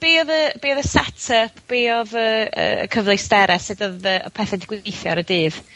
be' odd y be' odd y set up, be' odd y y cyfleustere. Sut odd yy y pethr 'di ar y dydd?